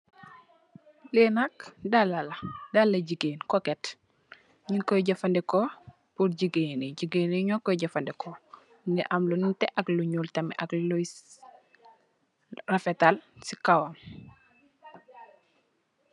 Lii nak Salah la dalah gigain cocket, njung koi jeufandehkor pur gigain, gigain njee njur koi jeufandehkor, mungy am lu nehteh ak lu njull tam ak luii rafetal cii kawam.